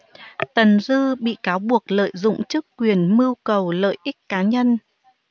tần dư bị cáo buộc lợi dụng chức quyền mưu cầu lợi ích cá nhân